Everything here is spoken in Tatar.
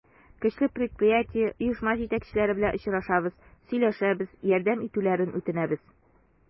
Көчле предприятие, оешма җитәкчеләре белән очрашабыз, сөйләшәбез, ярдәм итүләрен үтенәбез.